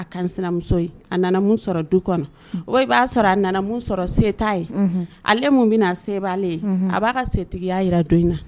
A kanmuso a min sɔrɔ du kɔnɔ o b'a sɔrɔ a nana min sɔrɔ se ye ale min bɛna seale ye a b'a ka setigiya jira don na